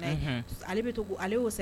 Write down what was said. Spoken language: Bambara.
Ale bɛ aleo